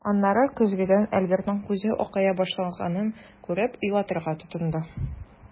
Аннары көзгедән Альбертның күзе акая башлаганын күреп, юатырга тотынды.